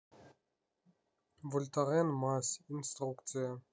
вольтарен мазь инструкция